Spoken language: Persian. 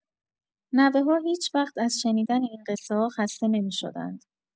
نوه‌ها هیچ‌وقت از شنیدن این قصه‌ها خسته نمی‌شدند.